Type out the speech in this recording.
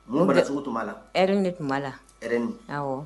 B' la de tun b'a la